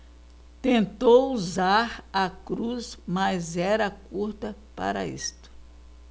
tentou usar a cruz mas era curta para isto